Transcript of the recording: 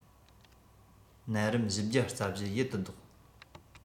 ནད རིམས བཞི བརྒྱ རྩ བཞི ཡུལ དུ བཟློག